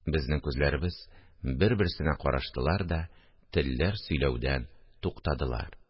Безнең күзләребез бер-берсенә караштылар да, телләр сөйләүдән туктадылар